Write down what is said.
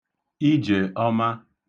Ije ọma!